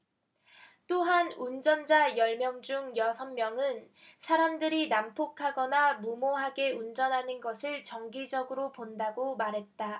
또한 운전자 열 명 중 여섯 명은 사람들이 난폭하거나 무모하게 운전하는 것을 정기적으로 본다고 말했다